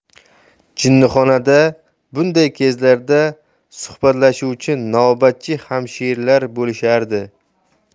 jinnixonada bunday kezlarda suhbatlashuvchi navbatchi hamshiralar bo'lishardi